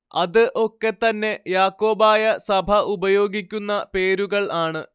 അത് ഒക്കെ തന്നെ യാക്കോബായ സഭ ഉപയോഗിക്കുന്ന പേരുകൾ ആണ്